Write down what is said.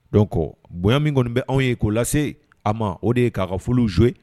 Dɔw kɔ bonya min kɔni bɛ anw ye koo lase a ma o de ye k'a ka foli zoe